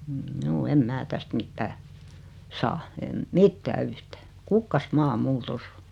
juu en minä tästä mitään saa en mitään yhtään kukkasmaa minulla tuossa on